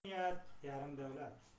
yaxshi niyat yarim davlat